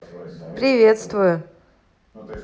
приветствую